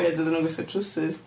Weird iddyn nhw wisgo trowsus.